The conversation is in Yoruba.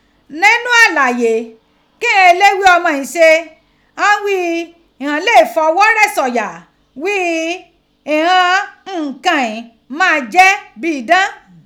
Ninu alaye kighan eleghe ọmọ ghin ṣe ghan ghi ighan le fọghọ rẹ sọya ghi ighan nkan ghin a maa jẹ bi idan.